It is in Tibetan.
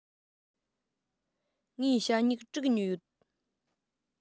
ངས ཞྭ སྨྱུག དྲུག ཉོས ཡོད